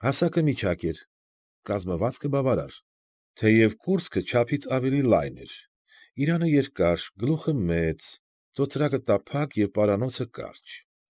Հասակը միջակ էր, կազմվածքը բավարար, թեև կուրծքը չափից ավելի լայն էր, իրանը երկար, գլուխը մեծ, ծոծրակը տափակ և պարանոցը կարճ։